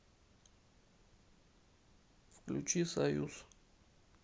включи союз